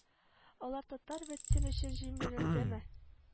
Алар татар бетсен өчен җимерелдеме